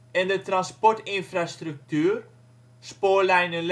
en de transportinfrastructuur (spoorlijnen